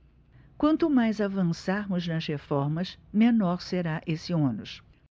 quanto mais avançarmos nas reformas menor será esse ônus